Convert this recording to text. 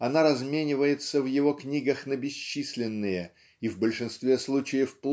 Она разменивается в его книгах на бесчисленные и в большинстве случаев